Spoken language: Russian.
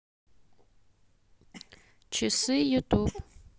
часы ютуб